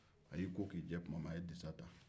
a y'i ko k'i jɛ tuma min a ye disa ta